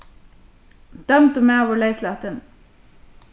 dømdur maður leyslatin